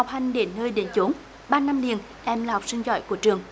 học hành đến nơi đến chốn ba năm liền em là học sinh giỏi của trường